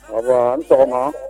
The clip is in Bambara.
awi ni sɔgɔma